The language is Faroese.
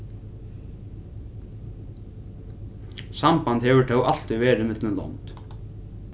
samband hevur tó altíð verið millum lond